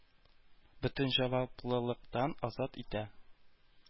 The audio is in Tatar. Бөтен җаваплылыктан азат итә.